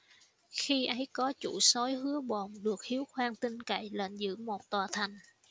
khi ấy có chủ soái hứa bồn được hiếu khoan tin cậy lệnh giữ một tòa thành